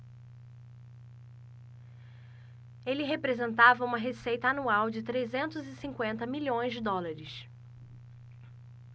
ele representava uma receita anual de trezentos e cinquenta milhões de dólares